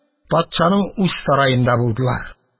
Патшаның үз сараенда булдылар.